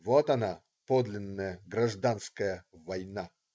Вот она, подлинная гражданская война.